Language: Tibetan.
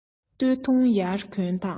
སྟོད འཐུང ཡར གྱོན དང